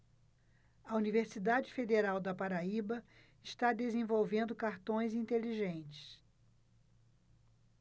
a universidade federal da paraíba está desenvolvendo cartões inteligentes